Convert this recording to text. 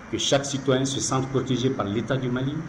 U sakisi toye si sanptee pali taji mali